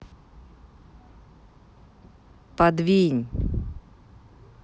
подвинь